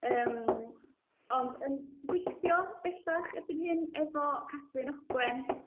Yym ond yn gweithio bellach erbyn hyn efo Cadwyn Ogwen.